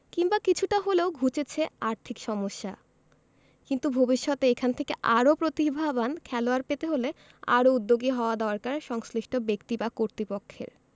কিংবা কিছুটা হলেও ঘুচেছে আর্থিক সমস্যা কিন্তু ভবিষ্যতে এখান থেকে আরও প্রতিভাবান খেলোয়াড় পেতে হলে আরও উদ্যোগী হওয়া দরকার সংশ্লিষ্ট ব্যক্তি বা কর্তৃপক্ষের